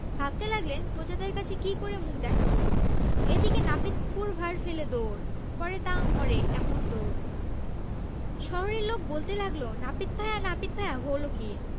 ভাবতে লাগলেন প্রজাদের কাছে কী করে মুখ দেখাব এদিকে নাপিত ক্ষুর ভাঁড় ফেলে দৌড় পড়ে তা মরে এমন দৌড় শহরের লোক বলতে লাগল নাপিত ভায়া নাপিত ভায়া হল কী